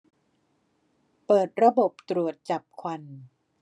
เปิดระบบตรวจจับควัน